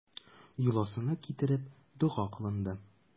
Йоласына китереп, дога кылынды.